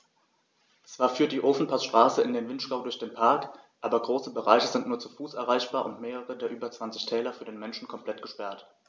Zwar führt die Ofenpassstraße in den Vinschgau durch den Park, aber große Bereiche sind nur zu Fuß erreichbar und mehrere der über 20 Täler für den Menschen komplett gesperrt.